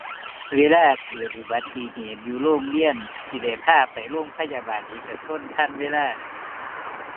เวลาเกิดอุบัติเหตุอยู่โรงเรียน สิได้พาไปโรงพยาบาลเอกชนทันเวลา